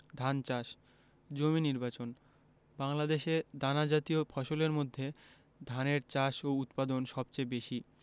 ধান চাষ জমি নির্বাচন বাংলাদেশে দানাজাতীয় ফসলের মধ্যে ধানের চাষ ও উৎপাদন সবচেয়ে বেশি